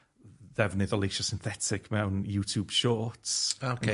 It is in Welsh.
ddefnydd o leisie synthetic mewn YouTube shorts. A ocê ie.